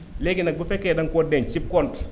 léegi nag bu fekkee danga koo denc cib compte